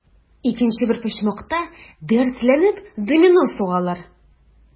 Икенче бер почмакта, дәртләнеп, домино сугалар.